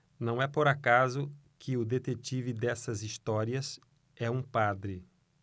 não é por acaso que o detetive dessas histórias é um padre